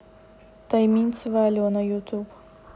тойминцева алена ютуб